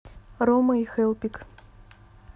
рома и хелпик